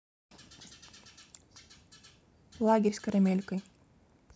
лагерь с карамелькой